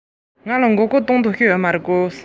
ཟེར བའི རྩེད ཆས དེ མེད པས